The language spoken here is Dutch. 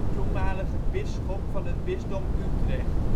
toenmalige bisschop van het bisdom Utrecht